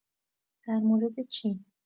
درمورد چی؟